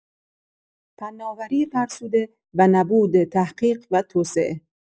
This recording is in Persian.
فناوری فرسوده و نبود تحقیق و توسعه